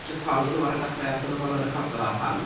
Jyst holi nhw ar y dechrau os maen nhw'n fodlon recordio a pam.